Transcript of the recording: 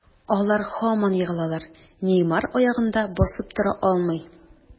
Алар һаман егылалар, Неймар аягында басып тора алмый.